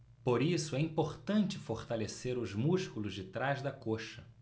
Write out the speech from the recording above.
por isso é importante fortalecer os músculos de trás da coxa